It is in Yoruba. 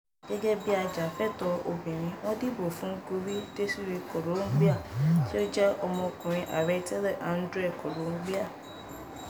Gẹ́gẹ́ bíi ajàfẹ́tọ̀ọ́ obìnrin, wọ́n dìbò fún un gorí Désiré Kolingba, tí ó jẹ́ ọmọkùnrin ààrẹ tẹ́lẹ̀, André Kolingba.